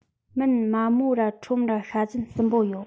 མིན མ མོ ར ཁྲོམ ར ཤ བཟན གསུམ པོ ཡོད